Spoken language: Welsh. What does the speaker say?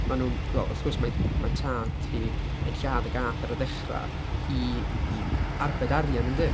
Maen nhw'n, tibod wrth gwrs, mae mae tad hi yn lladd y gath ar y ddechrau i i arbed arian yn de?